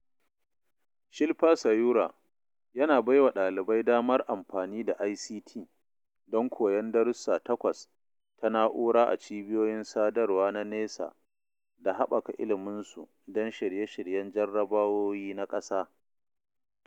Shilpa Sayura yana bai wa ɗalibai damar amfani da ICT don koyon darussa takwas ta na'ura a cibiyoyin sadarwa na nesa da haɓaka iliminsu don shirye-shiryen jarrabawoyi na ƙasa.